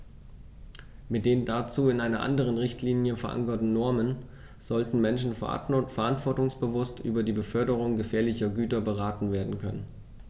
Mit den dazu in einer anderen Richtlinie, verankerten Normen sollten Menschen verantwortungsbewusst über die Beförderung gefährlicher Güter beraten werden können.